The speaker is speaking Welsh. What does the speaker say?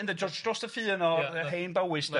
hen Bowys de.